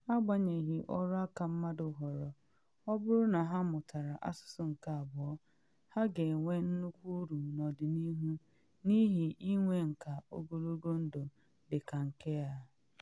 Agbanyeghị ọrụaka mmadụ họrọ, ọ bụrụ na ha mụtara asụsụ nke abụọ, ha ga-enwe nnukwu uru n’ọdịnihu n’ihi ịnwe nka ogologo ndụ dị ka nke a.